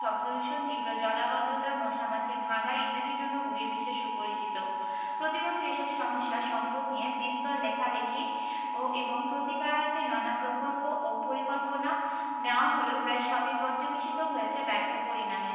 শব্দদূষণ তীব্র জলাবদ্ধতা মশা মাছির ভাঁগাড় ইত্যাদির জন্য বহির্বিশ্বে সুপরিচিত প্রতিবছর এসব সমস্যা সঙ্কট নিয়ে বিস্তর লেখালেখি এবং প্রতিকারার্থে নানা প্রকল্প ও পরিকল্পনা নেয়া হলেও প্রায় সবই পর্যবসিত হয়েছে ব্যর্থ পরিণামে